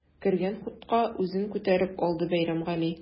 Кергән хутка үзен күтәреп алды Бәйрәмгали.